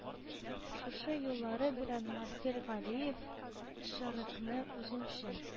Шушы юллары белән Марсель Галиев Шәрыкне үзенчә